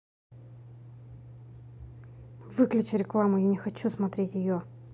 выключи рекламу я не хочу смотреть ее